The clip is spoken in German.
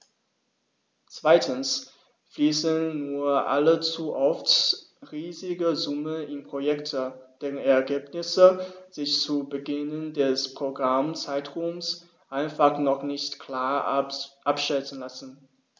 Zweitens fließen nur allzu oft riesige Summen in Projekte, deren Ergebnisse sich zu Beginn des Programmzeitraums einfach noch nicht klar abschätzen lassen.